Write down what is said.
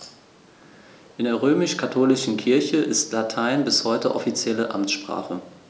In der römisch-katholischen Kirche ist Latein bis heute offizielle Amtssprache.